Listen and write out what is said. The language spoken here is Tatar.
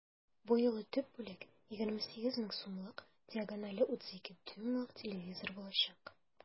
Бу юлы төп бүләк 28 мең сумлык диагонале 32 дюймлык телевизор булачак.